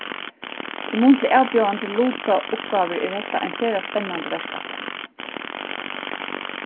í mun til avbjóðandi lutauppgávur er hetta ein sera spennandi verkætlan